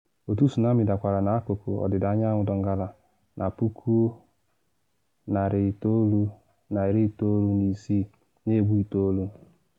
Otu tsunami dakwara n’akụkụ ọdịda anyanwụ Donggala na 1996, na egbu itoolu.